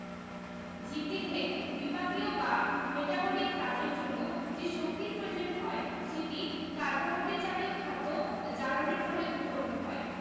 জীবদেহে বিপাকীয় বা মেটাবলিক কাজের জন্য যে শক্তির প্রয়োজন হয় সেটি কার্বোহাইড্রেট জাতীয় খাদ্য জারণের ফলে উৎপন্ন হয়